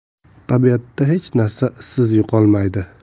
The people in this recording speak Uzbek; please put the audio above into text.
tabiatda hech narsa izsiz yo'qolmaydi